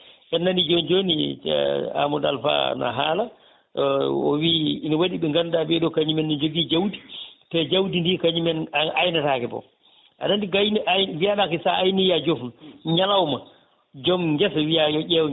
en nani joni joni Amadou Alpha no haala o wii ine waaɗi ɓe ganduɗa ɓeeɗe kañumenne joogui jawdi te jawdi ndi kañumen ay aynetake boom aɗa andi gaynu ay mbiyaɗa so sa ayni ha jofnu ñalawma joom guesa wiiya yo ƴew